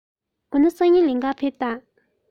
འོ ན སང ཉིན ལེན ག ཕེབས དང